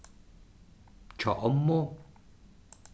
hjá ommu